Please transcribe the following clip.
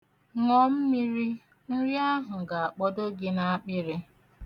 Ṅụọ mmiri, nri ahụ ga-akpọdo gị n'akpịrị.